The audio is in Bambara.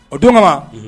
O don kama